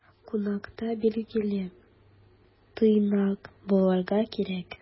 Кунакта, билгеле, тыйнак булырга кирәк.